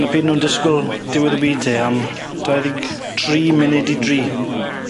'Na pryd o' nw'n disgwl diwedd y byd te am dau ddeg tri munud i dri.